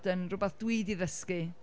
yn rhywbeth dwi 'di ddysgu...